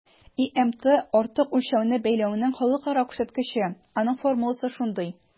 ИМТ - артык үлчәүне бәяләүнең халыкара күрсәткече, аның формуласы шундый: